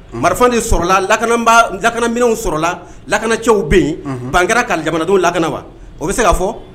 Marifa sɔrɔla, lakanaba, lakanaminw sɔrɔla, lakanacɛw bɛ yen , unhun, ban kɛra ka jamanakɔnɔdenw lakana wa ,o bɛ se ka fɔ?